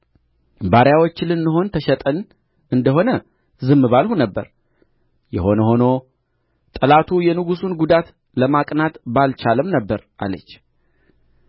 ባርያዎች ልንሆን ተሸጠን እንደ ሆነ ዝም ባልሁ ነበር የሆነ ሆኖ ጠላቱ የንጉሡን ጉዳት ለማቅናት ባልቻለም ነበር አለች